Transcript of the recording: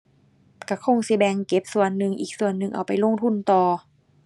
ก็คงสิแบ่งเก็บส่วนหนึ่ง อีกส่วนหนึ่งเอาไปลงทุนต่อ